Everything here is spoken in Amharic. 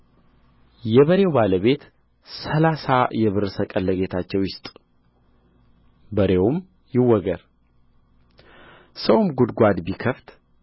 የበሬው ባለቤት ሠላሳ የብር ሰቅል ለጌታቸው ይስጥ በሬውም ይወገር ሰውም ጕድጓድ ቢከፍት